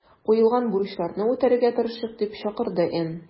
Куелган бурычларны үтәргә тырышыйк”, - дип чакырды Н.